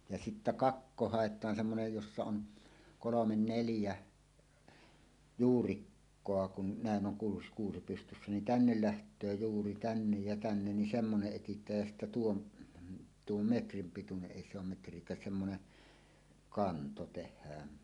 ja sitten kakko haetaan semmoinen jossa on kolme neljä juurikkoa kun näin on - kuusi pystyssä niin tänne lähtee juuri tänne ja tänne niin semmoinen etsitään ja sitten tuon tuon metrin pituinen ei se on metriäkään semmoinen kanto tehdään